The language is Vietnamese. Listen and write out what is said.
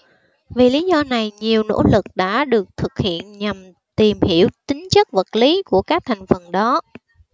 vì lý do này nhiều nỗ lực đã được thực hiện nhằm tìm hiểu tính chất vật lý của các thành phần đó